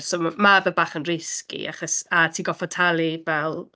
So m- mae fe bach yn risky, achos a ti'n gorfod talu fel